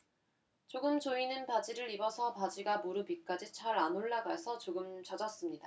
조금 조이는 바지를 입어서 바지가 무릎 위까지 잘 안 올라가서 조금 젖었습니다